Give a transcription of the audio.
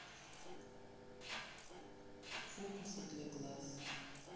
фокусы для глаз